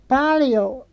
paljon